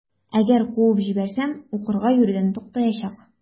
Әгәр куып җибәрсәм, укырга йөрүдән туктаячак.